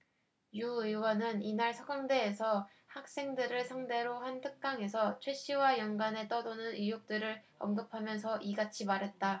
유 의원은 이날 서강대에서 학생들을 상대로 한 특강에서 최씨와 연관해 떠도는 의혹들을 언급하면서 이같이 말했다